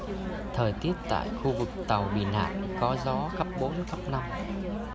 thời tiết tại khu vực tàu bị nạn có gió cấp bốn cấp năm